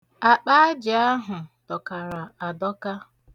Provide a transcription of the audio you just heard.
Akpa ajị ahụ dọkara adọka.